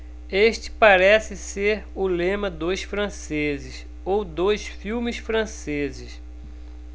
este parece ser o lema dos franceses ou dos filmes franceses